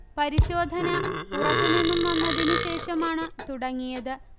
പരിശോധന പുറത്തുനിന്നും വന്നതിൻശേഷമാണ് തുടങ്ങിയത്